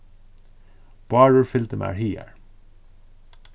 bárður fylgdi mær higar